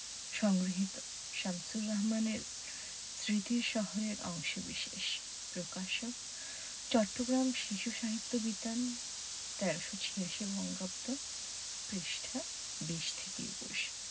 সংগৃহীত শামসুর রাহমানের স্মৃতির শহর এর অংশবিশেষ প্রকাশকঃ চট্টগ্রাম শিশু সাহিত্য বিতান ১৩৮৬ বঙ্গাব্দ পৃষ্ঠাঃ ২০ ২১